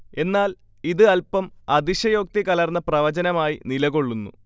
എന്നാൽ ഇത് അൽപം അതിശയോക്തി കലർന്ന പ്രവചനമായി നിലകൊള്ളുന്നു